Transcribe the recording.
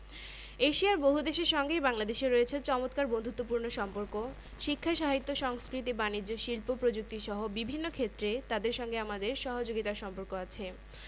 এশিয়ার বহুদেশের সঙ্গেই বাংলাদেশের রয়েছে চমৎকার বন্ধুত্বপূর্ণ সম্পর্ক শিক্ষা সাহিত্য সংস্কৃতি বানিজ্য শিল্প প্রযুক্তিসহ বিভিন্ন ক্ষেত্রে তাদের সঙ্গে আমাদের সহযোগিতার সম্পর্ক আছে